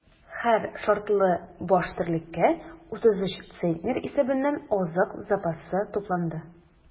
Һәр шартлы баш терлеккә 33 центнер исәбеннән азык запасы тупланды.